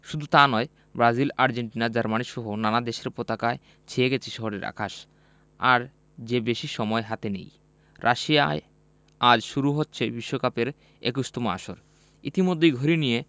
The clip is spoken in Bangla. শুধু তা ই নয় ব্রাজিল আর্জেন্টিনা জার্মানিসহ নানান দেশের পতাকায় ছেয়ে গেছে শহুরে আকাশ আর যে বেশি সময় হাতে নেই রাশিয়ায় আজ শুরু হচ্ছে বিশ্বকাপের ২১তম আসর ইতিমধ্যেই ঘড়ি নিয়ে